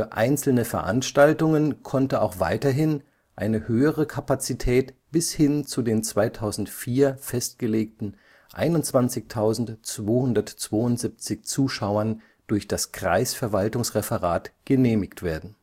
einzelne Veranstaltungen konnte auch weiterhin eine höhere Kapazität bis hin zu den 2004 festgelegten 21.272 Zuschauern durch das Kreisverwaltungsreferat genehmigt werden